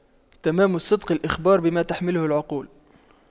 تمام الصدق الإخبار بما تحمله العقول